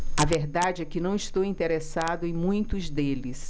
a verdade é que não estou interessado em muitos deles